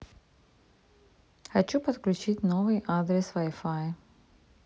хочу подключить новый адрес wi fi